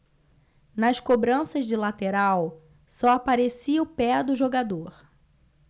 nas cobranças de lateral só aparecia o pé do jogador